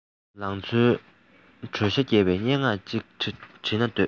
ལང ཚོའི དྲོད ཤ རྒྱས པའི སྙན ངག ཅིག འབྲི ན འདོད